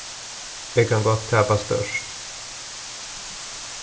eg kann gott tapa stórt